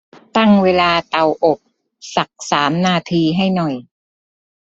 ตั้งเวลาเตาอบสักสามนาทีให้หน่อย